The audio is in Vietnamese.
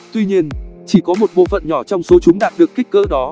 tuy nhiên chỉ có một bộ phận nhỏ trong số chúng đạt được kích cỡ đó